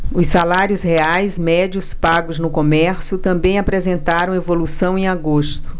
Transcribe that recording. os salários reais médios pagos no comércio também apresentaram evolução em agosto